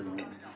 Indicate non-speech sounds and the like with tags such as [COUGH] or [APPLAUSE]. [HESITATION] [HESITATION]